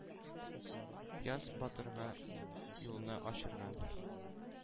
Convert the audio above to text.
Яз батырга юлны ачырга.